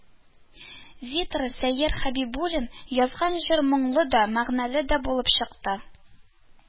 Зиторы сәйяр хәбибуллин язган җыр моңлы да, мәгънәле дә булып чыкты